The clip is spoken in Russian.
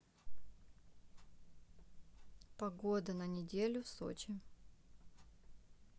погода на неделю в сочи